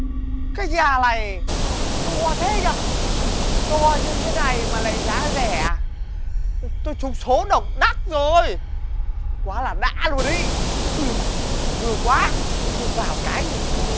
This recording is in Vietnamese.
cái nhà này to thế nhở to như thế này mà lại giá rẻ à tôi trúng số độc đắc rồi quá là đã luôn ý ui trời mưa quá thôi vào cái